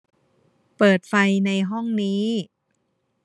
เปิดไฟในห้องนี้